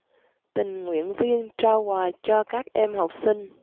tình nguyện viên trao quà cho các em học sinh